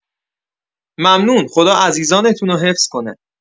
ممنون خدا عزیزانتونو حفظ کنه